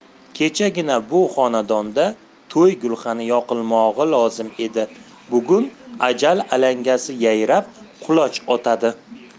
kechagina bu xonadonda to'y gulxani yoqilmog'i lozim edi bugun ajal alangasi yayrab quloch otadi